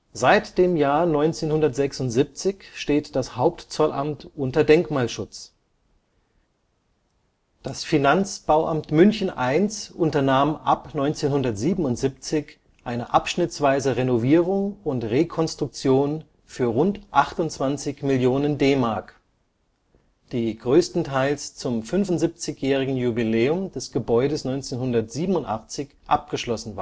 Seit 1976 steht das Hauptzollamt unter Denkmalschutz. Das Finanzbauamt München I unternahm ab 1977 eine abschnittsweise Renovierung und Rekonstruktion für rund 28 Mio. D-Mark, die großteils zum 75-jährigen Jubiläum des Gebäudes 1987 abgeschlossen